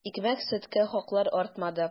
Икмәк-сөткә хаклар артмады.